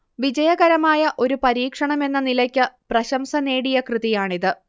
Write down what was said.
വിജയകരമായ ഒരു പരീക്ഷണമെന്ന നിലയ്ക്ക് പ്രശംസ നേടിയ കൃതിയാണിത്